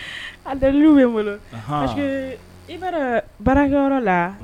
A bɛ bolo i bɛ barakɛyɔrɔ la